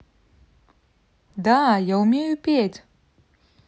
да я умею петь